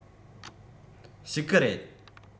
བཤིག གི རེད